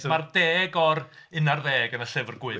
Mae'r deg o'r un ar ddeg yn y Llyfr Gwyn.